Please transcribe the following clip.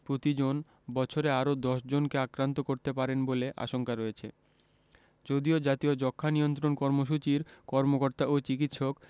প্রতিজন বছরে আরও ১০ জনকে আক্রান্ত করতে পারেন বলে আশঙ্কা রয়েছে যদিও জাতীয় যক্ষ্মা নিয়ন্ত্রণ কর্মসূচির কর্মকর্তা ও চিকিৎসক